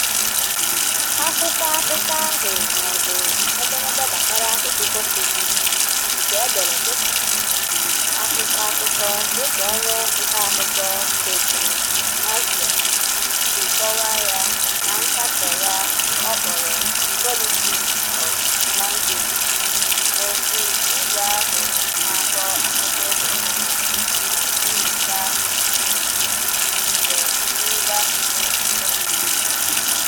Akwụkwọakụkọ ahụ - maọbụ "edemede gbasara asụsụ Portuguese nke e dere dịka akwụkwọakụkọ", dịka onye ntaakụkọ Pedro Mexia si kọwaa ya na nkatọ ya ọ kpọrọ Politics of Language [pt] - n'otu ụzọ ahụ na-akọ akụkọ ịhụnanya ma nyochaa usoro nke mwube asụsụ Portuguese.